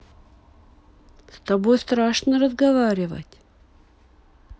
с тобой страшно разговаривать